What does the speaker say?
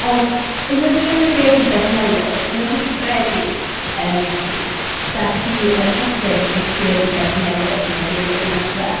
Ond unwaith chi yn y greadigaeth newydd unwaith chi 'di credu yn Iesu dach chi yn perthyn i'r creadigaeth newydd ma' Duw wedi ddechrau.